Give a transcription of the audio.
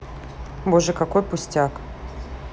боже какой пустяк